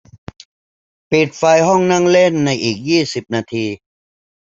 ปิดไฟห้องนั่งเล่นในอีกยี่สิบนาที